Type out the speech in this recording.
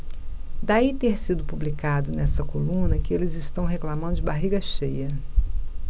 daí ter sido publicado nesta coluna que eles reclamando de barriga cheia